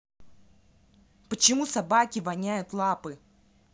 почему собаки воняют лапы